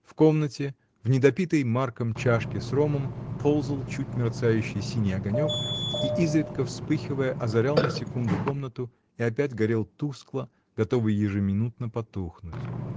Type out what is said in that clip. В комнате, в не допитой Марком чашке с ромом, ползал чуть мерцающий синий огонек и, изредка вспыхивая, озарял на секунду комнату и опять горел тускло, готовый ежеминутно потухнуть.